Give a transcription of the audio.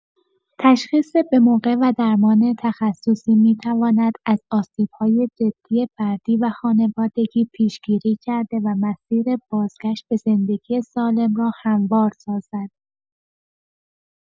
تشخیص به‌موقع و درمان تخصصی می‌تواند از آسیب‌های جدی فردی و خانوادگی پیش‌گیری کرده و مسیر بازگشت به زندگی سالم را هموار سازد.